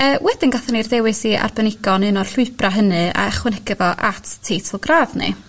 Yy wedyn gatho ni'r dewis i arbenigo'n un o'r llwybra hynny a ychwanegu fo at teitl gradd ni.